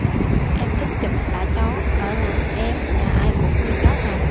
em thích chụp cả chó ở làng em nhà ai cũng nuôi chó mà